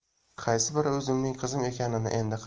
qaysi biri o'zimning qizim